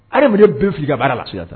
Adamaden bɛɛ bɛ fili i ka baara la.